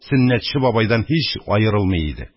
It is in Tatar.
Сөннәтче бабайдан һич аерылмый иде.